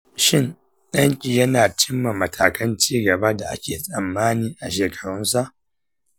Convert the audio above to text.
shin ɗan ki yana cimma matakan cigaba da ake tsammani a shekarunsa?